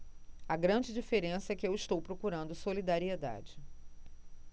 a grande diferença é que eu estou procurando solidariedade